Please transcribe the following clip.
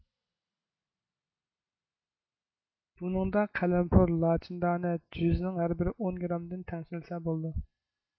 بۇنىڭدا قەلەمپۇر لاچىندانە جۆزنىڭ ھەربىرى ئون گرامدىن تەڭشەلسە بولىدۇ